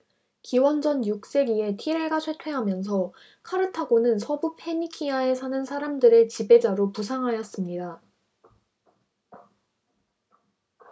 기원전 육 세기에 티레가 쇠퇴하면서 카르타고는 서부 페니키아에 사는 사람들의 지배자로 부상하였습니다